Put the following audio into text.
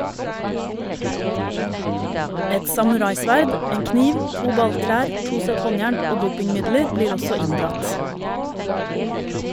Et samuraisverd, en kniv , to balltrær, to sett håndjern og dopingmidler blir også inndratt.